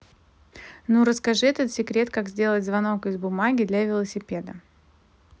ну расскажи этот секрет как сделать звонок из бумаги для велосипеда